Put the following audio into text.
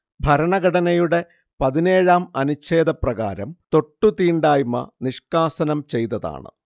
ഭരണഘടനയുടെ പതിനേഴാം അനുഛേദപ്രകാരം തൊട്ടുതീണ്ടായ്മ നിഷ്കാസനം ചെയ്തതാണ്